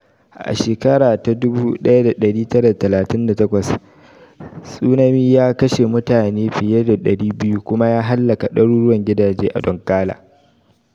A 1938, tsunami ya kashe mutane fiye da 200 kuma ya hallaka daruruwan gidaje a Donggala.